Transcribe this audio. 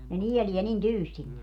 ne nielee niin tyystin ne